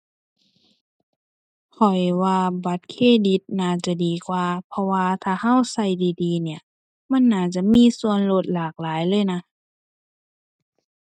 ข้อยว่าบัตรเครดิตน่าจะดีกว่า เพราะว่าถ้าเราเราดีดีนี่ มันน่าจะมีส่วนลดหลากหลายเลยนะ